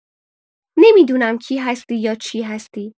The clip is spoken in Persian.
نمی‌دونم کی هستی یا چی هستی!